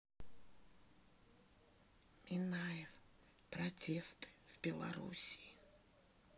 минаев протесты в белоруссии